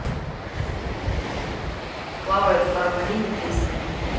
плавает в формалине песня